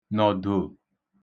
nọ̀dò